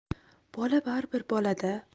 bola bari bir bola da